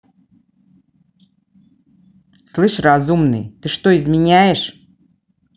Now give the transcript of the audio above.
слышь разумный ты что изменяешь